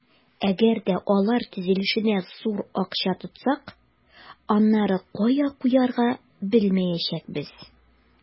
Әгәр дә алар төзелешенә зур акча тотсак, аннары кая куярга белмәячәкбез.